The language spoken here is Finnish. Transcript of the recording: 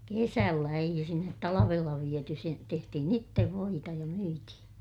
kesällä eihän sinne talvella viety se tehtiin itse voita ja myytiin